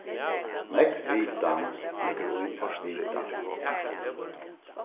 nógv vitan liggur í at vita